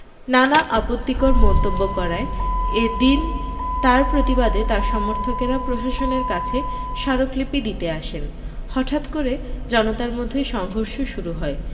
নানা আপত্তিকর মন্তব্য করায় এদিন তার প্রতিবাদে তাঁর সমর্থকেরা প্রশাসনের কাছে স্মারকলিপি দিতে আসেন হঠাত করে জনতার মধ্যে সংঘর্ষ শুরু হয়